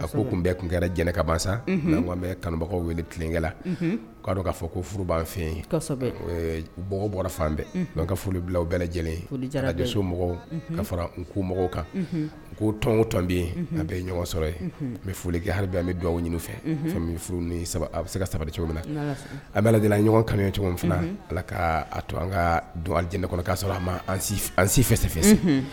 A ko tun tun kɛra jɛnɛ kasa bɛ kanubagaw weelekɛ la k'a k'a fɔ ko furu an fɛ bɔra fan bɛɛan ka foli bila bɛɛ lajɛlenso mɔgɔw ka fara n ko mɔgɔw kan ko tɔngo tɔn bɛ yen a bɛ ɲɔgɔn sɔrɔ ye n bɛ foli kɛ hali bɛ dugawu ɲini fɛ fɛn furu a bɛ se ka sabali cogo min na a bɛ lajɛlenla ɲɔgɔn kanu cogo fana ala ka to an ka jɛnɛ kɔnɔ k'a sɔrɔ ma an sifɛ